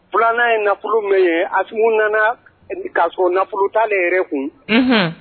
Filanan ye nafolo min ye as nana'a nafolo taale yɛrɛ kun